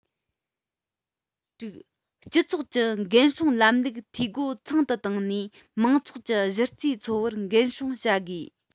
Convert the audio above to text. དྲུག སྤྱི ཚོགས ཀྱི འགན སྲུང ལམ ལུགས འཐུས སྒོ ཚང དུ བཏང ནས མང ཚོགས ཀྱི གཞི རྩའི འཚོ བར འགན སྲུང བྱ དགོས